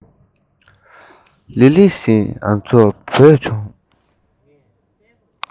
ལི ལི ཞེས ང ཚོར བོས བྱུང